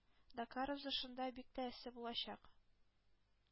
“дакар” узышында бик тә эссе булачак.